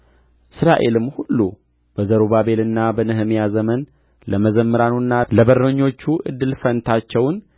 እስራኤልም ሁሉ በዘሩባቤልና በነህምያ ዘመን ለመዘምራኑና ለበረኞቹ እድል ፈንታቸውን